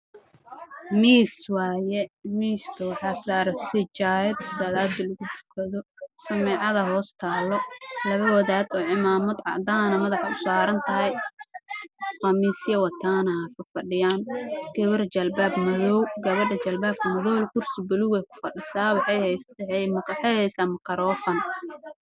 Waa miis waxaa saran sijaayad